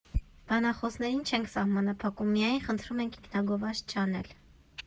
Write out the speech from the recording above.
Բանախոսներին չենք սահմանափակում, միայն խնդրում ենք ինքնագովազդ չանել։